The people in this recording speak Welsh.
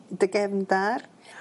...dy gefndar